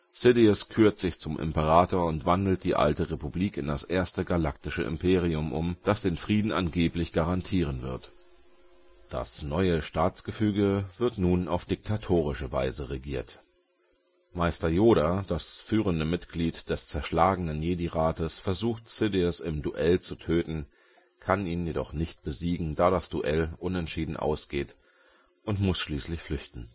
Sidious kürt sich zum Imperator und wandelt die alte Republik in das erste Galaktische Imperium um, das den Frieden angeblich garantieren wird. Das neue Staatsgefüge wird nun auf diktatorische Weise regiert. Meister Yoda, das führende Mitglied des zerschlagenen Jedi-Rates, versucht Sidious im Duell zu töten, kann ihn jedoch nicht besiegen, da das Duell unentschieden ausgeht, und muss schließlich flüchten